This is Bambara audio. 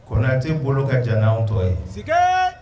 Konatɛ n bolo ka jamanatɔ ye si